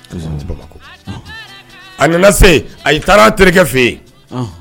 A nana se a ye taara a terikɛ fɛ yen